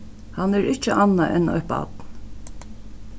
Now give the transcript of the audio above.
hann er ikki annað enn eitt barn